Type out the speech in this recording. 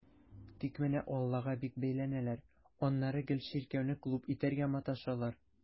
Тик менә аллага бик бәйләнәләр, аннары гел чиркәүне клуб итәргә маташалар.